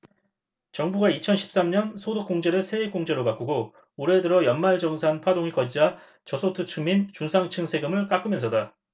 정부가 이천 십 삼 년 소득공제를 세액공제로 바꾸고 올해 들어 연말정산 파동이 커지자 저소득층 및 중산층 세금을 깎으면서다